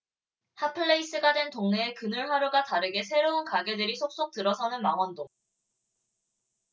핫 플레이스가 된 동네의 그늘 하루가 다르게 새로운 가게들이 속속 들어서는 망원동